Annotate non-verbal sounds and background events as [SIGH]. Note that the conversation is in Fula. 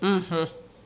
[HESITATION] [HESITATION]